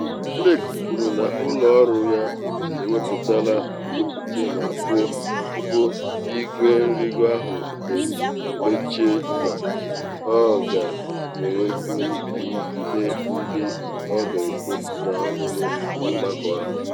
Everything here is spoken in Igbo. Flake kwuru na ụlọ ọrụ ya ewepụtala nkwupute ma kwuo, tupu igwe nrigo ahụ emechie, na ọ ga-enwekwu ihe ndị ọ ga-ekwu n’ọnụnụ mgbakọ ahụ.